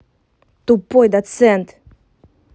тупой доцент